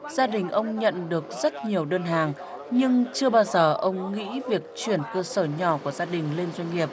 gia đình ông nhận được rất nhiều đơn hàng nhưng chưa bao giờ ông nghĩ việc chuyển cơ sở nhỏ của gia đình lên doanh nghiệp